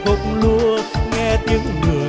tiếng